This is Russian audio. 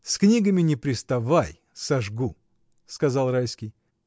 С книгами не приставай, сожгу, — сказал Райский.